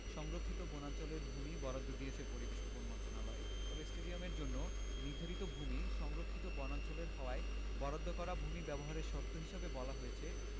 সংরক্ষিত বনাঞ্চলের ভূমি বরাদ্দ দিয়েছে পরিবেশ ও বন মন্ত্রণালয় তবে স্টেডিয়ামের জন্য নির্ধারিত ভূমি সংরক্ষিত বনাঞ্চলের হওয়ায় বরাদ্দ করা ভূমি ব্যবহারের শর্ত হিসেবে বলা হয়েছে